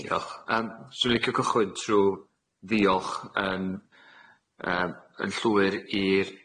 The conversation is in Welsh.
Diolch yym swn i'n licio cychwyn trw' ddiolch yn yym yn llwyr i'r